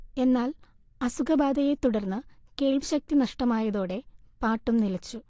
എന്നാൽ അസുഖബാധയെ തുടർന്ന് കേൾവിശക്തി നഷ്ടമായതോടെ പാട്ടും നിലച്ചു